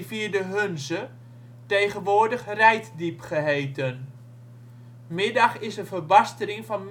de Hunze (tegenwoordig Reitdiep geheten). Middag is een verbastering van